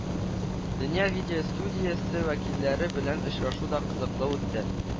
“дөнья” видеостудиясе вәкилләре белән очрашу да кызыклы үтте